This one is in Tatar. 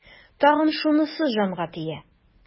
Тагын шунысы җанга тия.